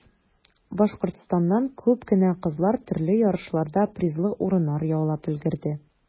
Башкортстаннан күп кенә кызлар төрле ярышларда призлы урыннар яулап өлгерде.